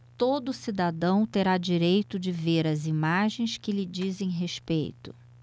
todo cidadão terá direito de ver as imagens que lhe dizem respeito